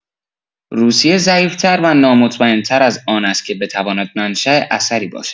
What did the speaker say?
روسیه ضعیف‌تر و نامطمئن‌تر از آن است که بتواند منشا اثری باشد.